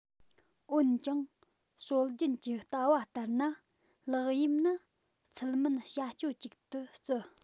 འོན ཀྱང སྲོལ རྒྱུན གྱི ལྟ བ ལྟར ན ལག གཡེམ ནི ཚུལ མིན བྱ སྤྱོད ཅིག ཏུ བརྩི